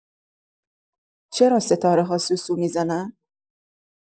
چرا ستاره‌ها سوسو می‌زنن؟